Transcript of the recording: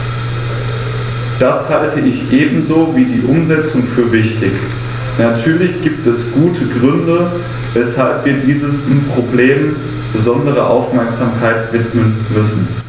Das halte ich ebenso wie die Umsetzung für wichtig. Natürlich gibt es gute Gründe, weshalb wir diesem Problem besondere Aufmerksamkeit widmen müssen.